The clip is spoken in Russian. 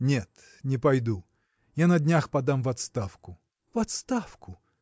– Нет, не пойду: я на днях подам в отставку. – В отставку?